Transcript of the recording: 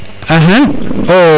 axa